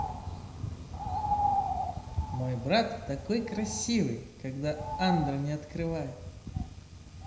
мой брат такой красивый когда андро не открывает